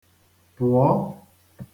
pụ̀ọ